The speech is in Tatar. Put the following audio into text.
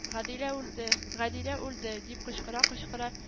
– гадилә үлде, гадилә үлде! – дип кычкыра-кычкыра